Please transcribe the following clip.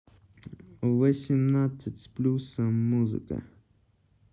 восемнадцать с плюсом музыка